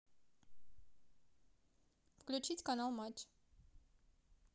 включить канал матч